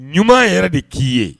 Ɲuman yɛrɛ de k'i ye